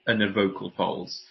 yn y vocal polls.